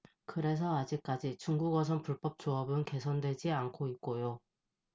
그래서 아직까지 중국어선 불법조업은 개선되지 않고 있고요